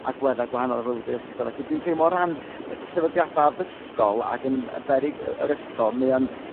agwedda' gwahanol o fywyd yr ysgol 'elly dwi'n teimlo o ran yrr sefydliada' addysgol ac yn yrr beryg y- yr ysgol mae o'n